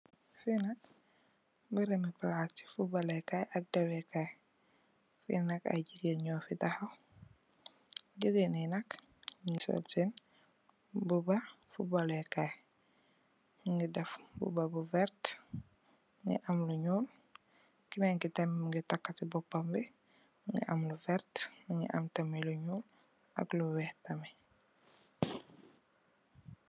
Fii nak berimi palasi fooballe kay ak dawe kai. Fi nak ay jigéen ño fi taxaw, jigéen yi nak, ñungi sol seen mbuba fooballe kay. Mungi def mbuba bu vert, mungi am lu ñuol, kennen ki tam mungi takk si boppambi, mungi am lu vert , mungi am tamit lu ñuol ak lu weex tamit.